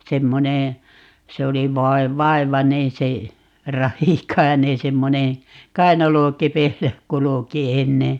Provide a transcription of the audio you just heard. semmoinen se oli - vaivainen se Rahikainen semmoinen kainalokepeillä kulki ennen